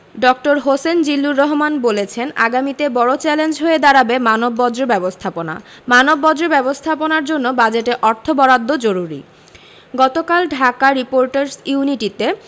ড হোসেন জিল্লুর রহমান বলেছেন আগামীতে বড় চ্যালেঞ্জ হয়ে দাঁড়াবে মানববর্জ্য ব্যবস্থাপনা মানববর্জ্য ব্যবস্থাপনার জন্য বাজেটে অর্থ বরাদ্দ জরুরি গতকাল ঢাকা রিপোর্টার্স ইউনিটিতে